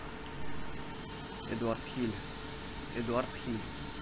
эдуард хиль